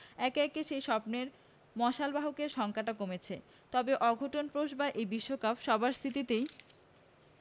একে একে সেই স্বপ্নের মশালবাহকের সংখ্যাটা কমেছে তবে অঘটনপ্রসবা এই বিশ্বকাপ সবার স্মৃতিতেই